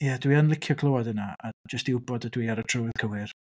Ia dwi yn licio clywed hynna a jyst i wybod ydw i ar y trywydd cywir.